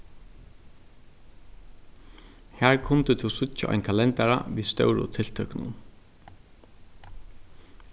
har kundi tú síggja ein kalendara við stóru tiltøkunum